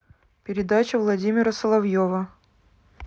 передача владимира соловьева